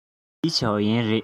ལིའི ཞའོ ཡན རེད